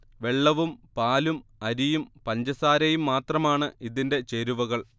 വെള്ളവും പാലും അരിയുംപഞ്ചസാരയും മാത്രമാണ് ഇതിന്റെ ചേരുവകൾ